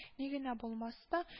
Ни генә булмас та